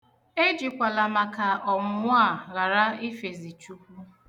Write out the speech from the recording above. Ejikwala maka ọnwụnwa a ghara ifezi Chukwu.